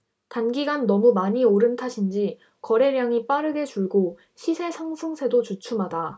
단기간 너무 많이 오른 탓인지 거래량이 빠르게 줄고 시세 상승세도 주춤하다